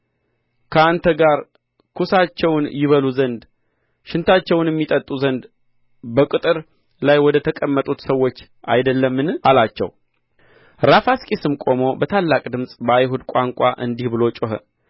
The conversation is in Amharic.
ከእናንተ ጋር ኵሳቸውን ይበሉ ዘንድ ሽንታቸውንም ይጠጡ ዘንድ በቅጥር ላይ ወደ ተቀመጡት ሰዎች አይደለምን አላቸው ራፋስቂስም ቆሞ በታላቅ ድምፅ በአይሁድ ቋንቋ እንዲህ ብሎ ጮኸ